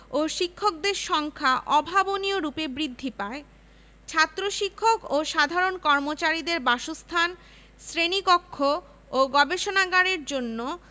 পাঁচ বছরের ঐকান্তিক প্রচেষ্টার মাধ্যমে বিশ্ববিদ্যালয়টির একটি মজবুত ভিত রচনা করে হার্টগ উপাচার্যের পদ থেকে অবসর নেন